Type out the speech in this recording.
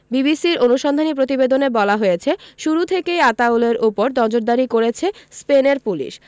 বিবিসির অনুসন্ধানী প্রতিবেদনে বলা হয়েছে শুরু থেকেই আতাউলের ওপর নজরদারি করেছে স্পেনের পুলিশ